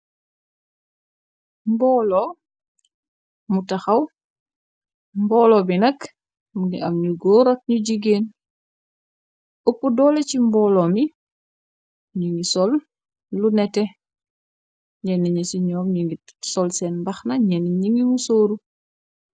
Mbooloo mu taxaw mboolo bi nakk mu ngi am ñu góorat ñu jigeen ëpp doole ci mboolo mi ñu ngi sol lu nete ñenn ñe ci ñoom ñu ngir sol seen mbax na ñenni ñi ngi mu sooru.